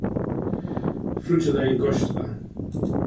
fríggjadagin goysti tað